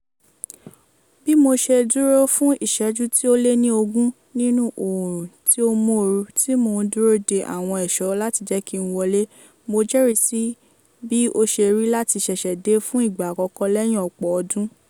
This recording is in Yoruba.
Bí mo ṣe dúró fún ìṣẹ́jú tí ó lé ní ogún nínú oòrùn tí ó móoru tí mò ń dúró dé àwọn ẹ̀ṣọ́ láti jẹ́ kí n wọlé, mo jẹ́rìí sí bí ó ṣe rí láti ṣẹ̀ṣẹ̀ dé fún ìgbà àkọ́kọ́ lẹ́yìn ọ̀pọ̀ ọdún.